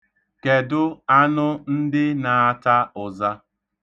Kedụ anụ ndị na-ata ụza?